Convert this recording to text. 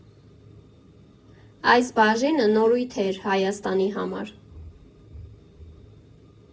Այս բաժինը նորույթ էր Հայաստանի համար։